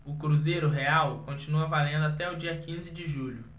o cruzeiro real continua valendo até o dia quinze de julho